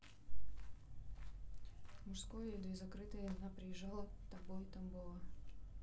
мужское и две закрытые на приезжала тобой тамбова